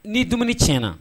Ni dumuni tiɲɛna